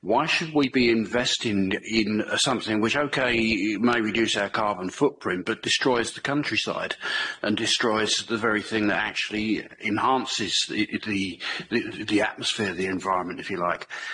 Why should we be investing in something which ok may reduce our carbon footprint but destroys the countryside and destroys the very thing that actually enhances the the the atmosphere the environment if you like.